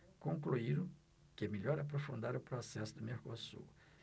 concluíram que é melhor aprofundar o processo do mercosul